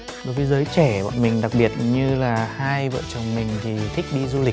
đối với giới trẻ bọn mình đặc biệt như là hai vợ chồng mình thì thích đi du lịch